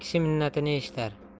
qilar kishi minnatini eshitar